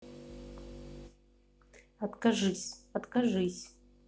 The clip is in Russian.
откажись откажись